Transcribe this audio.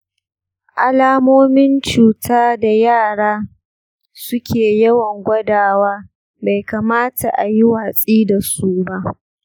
alamomin cuta da yara suke yawan gwadawa bai kamata ayi watsi dasu ba.